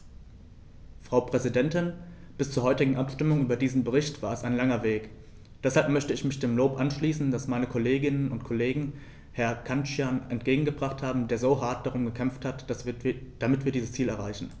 Frau Präsidentin, bis zur heutigen Abstimmung über diesen Bericht war es ein langer Weg, deshalb möchte ich mich dem Lob anschließen, das meine Kolleginnen und Kollegen Herrn Cancian entgegengebracht haben, der so hart darum gekämpft hat, damit wir dieses Ziel erreichen.